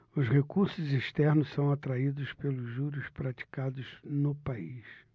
os recursos externos são atraídos pelos juros praticados no país